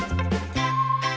chào